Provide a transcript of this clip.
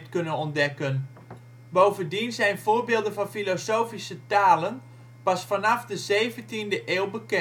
kunnen ontdekken. Bovendien zijn voorbeelden van filosofische talen pas vanaf de zeventiende eeuw